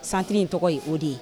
Centre in tɔgɔ ye o de ye